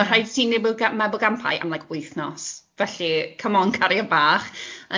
...ma' rhaid ti 'neud Mabolgampau am like wythnos, felly come on cariad bach.